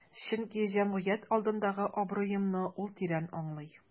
Чөнки җәмгыять алдындагы абруемны ул тирән аңлый.